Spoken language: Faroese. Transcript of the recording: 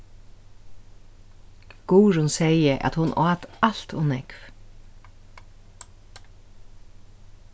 guðrun segði at hon át alt ov nógv